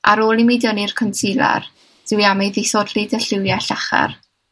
ar ôl i mi dynnu'r concealer, dwi am ei ddisodli 'da lliwiau llachar,